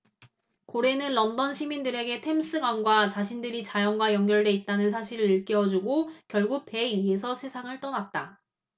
고래는 런던 시민들에게 템스강과 자신들이 자연과 연결돼 있다는 사실을 일깨워주고 결국 배 위에서 세상을 떠났다